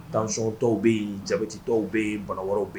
Tansɔn tɔw bɛ yen jabiti tɔw bɛ yen banawaw bɛ yen